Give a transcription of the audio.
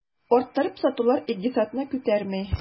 Арттырып сатулар икътисадны күтәрми.